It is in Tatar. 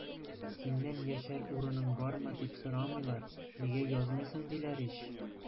Синнән яшәр урының бармы, дип сорамыйлар, нигә язмыйсың, диләр ич!